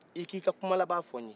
i k'i ka kuma laban fɔ n ye